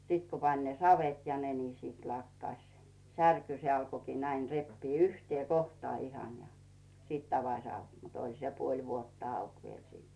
sitten kun pani savet ja ne niin sitten lakkasi särky se alkoi näin repiä yhteen kohtaan ihan ja sitten avasi auki mutta oli se puoli vuotta auki vielä sitten